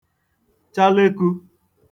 chaleku